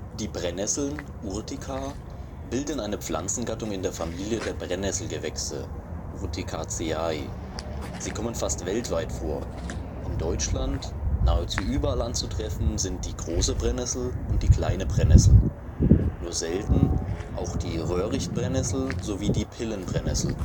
Die Brennnesseln (Urtica) bilden eine Pflanzengattung in der Familie der Brennnesselgewächse (Urticaceae). Sie kommen fast weltweit vor. In Deutschland nahezu überall anzutreffen sind die Große Brennnessel und die Kleine Brennnessel, nur selten auch die Röhricht-Brennnessel sowie die Pillen-Brennnessel